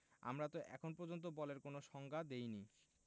আমরা তো এখন পর্যন্ত বলের কোনো সংজ্ঞা দিইনি